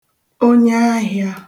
onyaahị̄ā